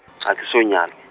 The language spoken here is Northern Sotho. a ke nyalwa.